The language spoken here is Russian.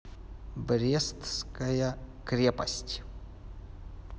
брестская крепость